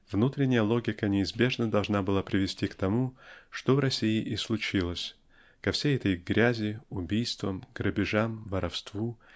внутренняя логика неизбежно должна была привести к тому что в России и случилось ко всей этой грязи убийствам грабежам воровству